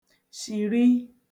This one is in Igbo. shìri